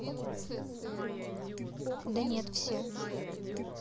да нет все